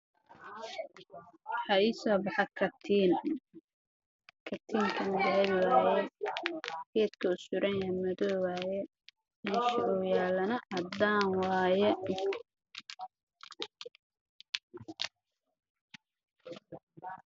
Waa bombalo midabkiisu waa madow dahab ayaa ku jirto